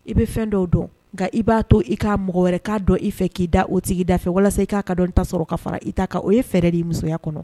I bɛ fɛn dɔw dɔn nka i b'a to i k'a mɔgɔ wɛrɛ k'a dɔn i fɛ k'i da o tigi da fɛ walasa i k'a ka dɔn n ta sɔrɔ ka fara i ta o ye fɛɛrɛ di musoya kɔnɔ